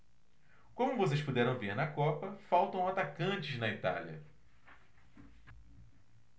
como vocês puderam ver na copa faltam atacantes na itália